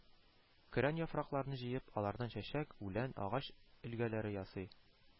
Көрән яфракларны җыеп, алардан чәчәк, үлән, агач өлгеләре ясый